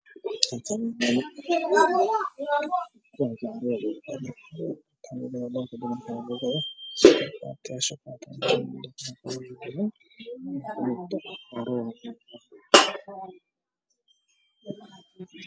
meeshaan waxaa yaala dhar nooc walba ah oo baatiyaal ah waxaa kamida ah jaale baluug iyo cadaan